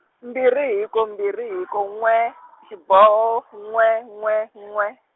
mbirhi hiko mbirhi hiko n'we, xiboho, n'we n'we n'we.